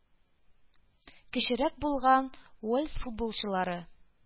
Кечерәк булган уэльс футболчылары